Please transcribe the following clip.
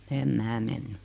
en minä mennyt